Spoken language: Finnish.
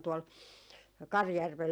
tuolla Karjärvellä